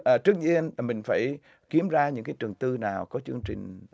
ờ trước tiên mình phải kiếm ra những cái trường tư nào có chương trình